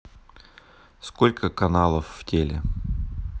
сколько каналов в теле